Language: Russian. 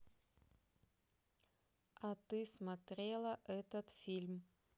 а ты смотрела этот фильм